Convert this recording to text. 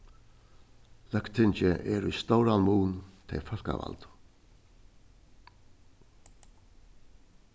løgtingið er í stóran mun tey fólkavaldu